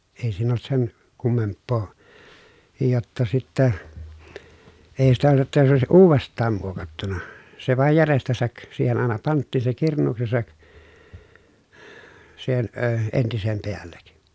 ei siinä ollut sen kummempaa jotta sitten ei sitä jotta se olisi uudestaan muokattu se vain jäljestänsä siihen aina pantiin se kirnuuksensa siihen - entisen päälle